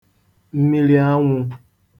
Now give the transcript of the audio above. mmilianwụ̄